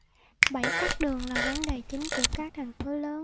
bảy tắc đường là vấn đề chính của các thành phố lớn